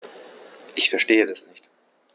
Ich verstehe das nicht.